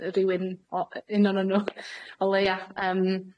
rywun o y- un o'non nw, o leia, yym.